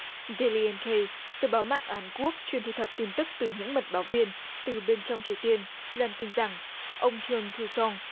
đây li en cây tờ báo mạng ở hàn quốc chuyên thu thập tin tức từ những mật báo viên từ bên trong triều tiên loan tin rằng ông dôn tu sông